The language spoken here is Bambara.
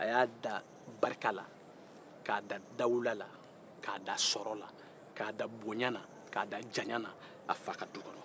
a y' a dan barika la k'a dan dawula la k'a dan sɔrɔ la k'a dan bonya na k'a dan jaɲan na a fa ka du kɔnɔ